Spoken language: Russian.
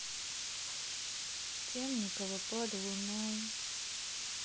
темникова под луной